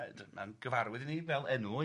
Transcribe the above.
Yy d- mae'n gyfarwydd i ni fel enw